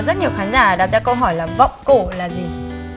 rất nhiều khán giả đặt ra câu hỏi là vọng cổ là gì